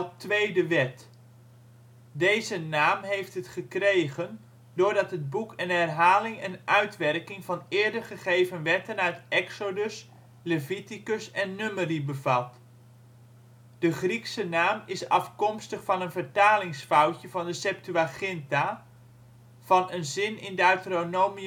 tweede wet '. Deze naam heeft het gekregen doordat het boek een herhaling en uitwerking van eerder gegeven wetten uit Exodus, Leviticus en Numeri bevat. De Griekse naam is afkomstig van een vertalingsfoutje van de Septuaginta van een zin in Deuteronomium 17:18